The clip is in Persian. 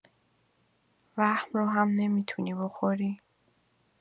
وهم رو هم نمی‌تونی بخوری.